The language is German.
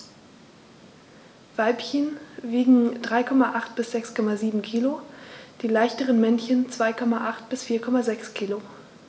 Weibchen wiegen 3,8 bis 6,7 kg, die leichteren Männchen 2,8 bis 4,6 kg.